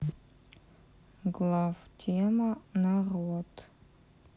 главтема народ